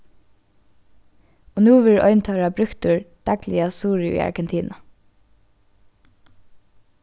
og nú verður ein teirra brúktur dagliga suðuri í argentina